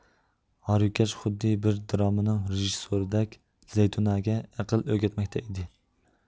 ھارۋىكەش خۇددى بىر دراممىنىڭ رېژىسسورىدەك زەيتۇنەگە ئەقىل ئۆگەتمەكتە ئىدى